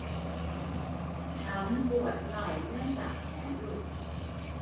ฉันปวดไหล่เนื่องจากแขนหลุด